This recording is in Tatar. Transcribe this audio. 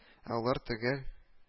Ә алар төгәл